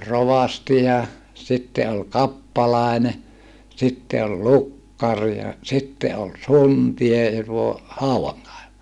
se oli rovasti ja sitten oli kappalainen sitten oli lukkari ja sitten oli suntio ja tuo haudankaivaja